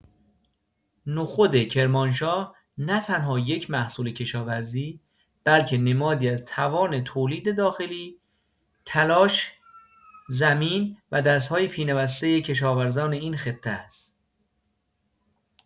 نخود کرمانشاه نه‌تنها یک محصول کشاورزی، بلکه نمادی از توان تولید داخلی، تلاش زمین و دست‌های پینه‌بسته کشاورزان این خطه است.